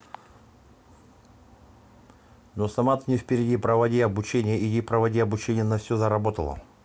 ну сама на впереди проводи обучение иди проводи обучение на все заработало